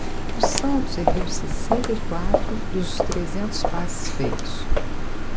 o santos errou sessenta e quatro dos trezentos passes feitos